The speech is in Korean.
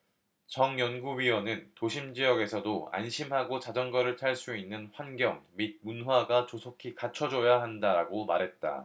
정 연구위원은 도심지역에서도 안심하고 자전거를 탈 수 있는 환경 및 문화가 조속히 갖춰줘야 한다라고 말했다